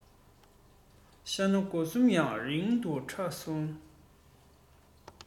ཤྭ གནའ དགོ གསུམ ཡང རིང དུ བསྐྲད སོང